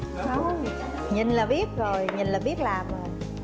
hông nhìn là biết rồi nhìn là biết làm rồi